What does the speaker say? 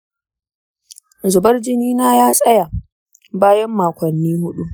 zubar jinina ya tsaya bayan makonni huɗu.